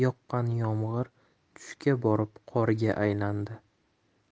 yoqqan yomg'ir tushga borib qorga aylandi